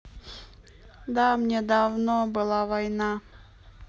да мне давно была война